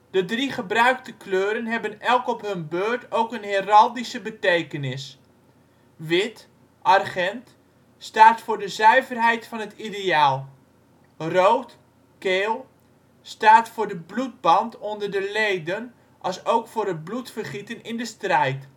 De drie gebruikte kleuren hebben elk op hun beurt ook een heraldische betekenis. Wit (argent) staat voor de zuiverheid van het ideaal. Rood (keel) staat voor de bloedband onder de leden alsook voor het bloedvergieten in de strijd